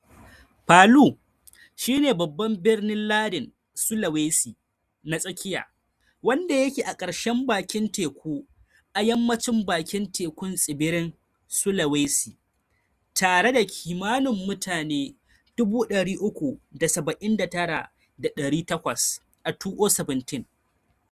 Palu shi ne babban birnin lardin Sulawesi na tsakiya, wanda yake a ƙarshen bakin teku a yammacin bakin tekun tsibirin Sulawesi, tare da kimanin mutane 379,800 a 2017.